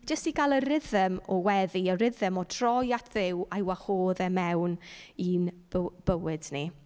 Jyst i gael y rhythm o weddi, y rhythm o droi at Dduw a'i wahodd e mewn i'n byw- bywyd ni.